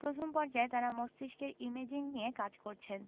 প্রথম পর্যায়ে তারা মস্তিষ্কের ইমেজিং নিয়ে কাজ করেছেন